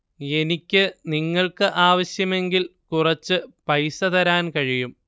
എനിക്ക് നിങ്ങള്‍ക്ക് ആവശ്യമെങ്കില്‍ കുറച്ചു പൈസ തരാന്‍ കഴിയും